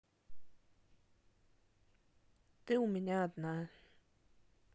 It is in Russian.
ты у меня одна